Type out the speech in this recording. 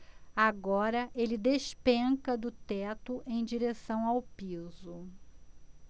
agora ele despenca do teto em direção ao piso